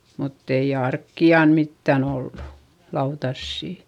mutta ei arkia mitään ollut lautasia